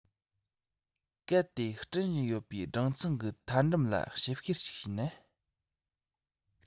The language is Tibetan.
གལ ཏེ སྐྲུན བཞིན ཡོད པའི སྦྲང ཚང གི མཐའ འགྲམ ལ ཞིབ བཤེར ཞིག བྱས ན